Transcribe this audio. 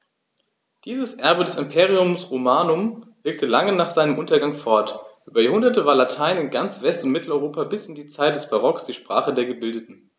Dieses Erbe des Imperium Romanum wirkte lange nach seinem Untergang fort: Über Jahrhunderte war Latein in ganz West- und Mitteleuropa bis in die Zeit des Barock die Sprache der Gebildeten.